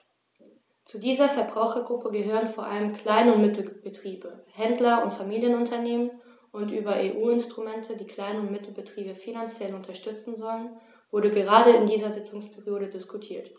Zu dieser Verbrauchergruppe gehören vor allem Klein- und Mittelbetriebe, Händler und Familienunternehmen, und über EU-Instrumente, die Klein- und Mittelbetriebe finanziell unterstützen sollen, wurde gerade in dieser Sitzungsperiode diskutiert.